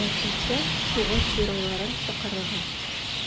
Мәктәпкә сугыш геройларын чакырырга.